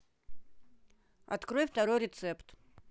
открой второй рецепт